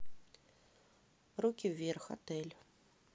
руки вверх отель